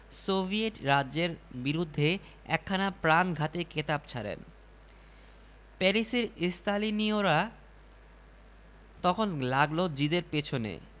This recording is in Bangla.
সোভিয়েট রাজ্যের বিরুদ্ধে একখানা প্রাণঘাতী কেতাব ছাড়েন প্যারিসের স্তালিনীয়রা তখন লাগল জিদের পেছনে